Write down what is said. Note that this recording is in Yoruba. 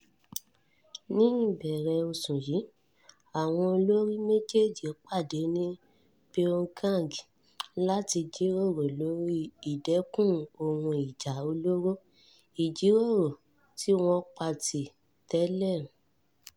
Ní ibẹ̀rẹ̀ oṣù yí, àwọn olórí méjèèjì pàdé ní Pyongyang láti jíròrò lóri ìdẹ́kun ohun ìjà olóró, ìjíròrò tí wọ́n patì tẹ́lẹ̀.